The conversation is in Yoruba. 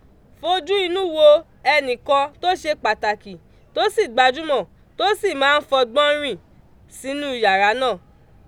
Fojú inú wo ẹnì kan tó ṣe pàtàkì tó sì gbajúmọ̀ tó sì máa ń fọgbọ́n rìn sínú yàrá náà.